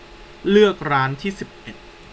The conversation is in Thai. เลือกร้านที่สิบเอ็ด